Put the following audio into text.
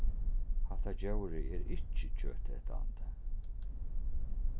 hatta djórið er ikki kjøtetandi